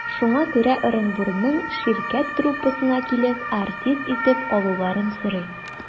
Шуңа күрә Ырынбурның «Ширкәт» труппасына килеп, артист итеп алуларын сорый.